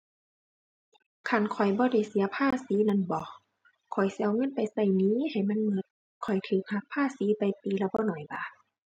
คันข้อยบ่ได้เสียภาษีนั้นบ่ ข้อยสิเอาไปใช้หนี้ให้มันใช้ ข้อยใช้หักภาษีไปปีละบ่น้อยบาท